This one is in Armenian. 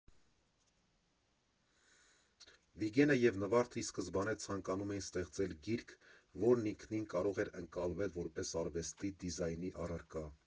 Վիգենը և Նվարդը ի սկզբանե ցանկանում էին ստեղծել գիրք, որն ինքնին կարող էր ընկալվել որպես արվեստի դիզայնի առարկա.